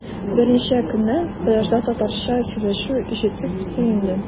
Берничә көннән пляжда татарча сөйләшү ишетеп сөендем.